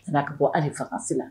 A' ka bɔ hali fangasi